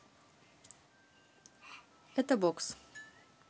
это бокс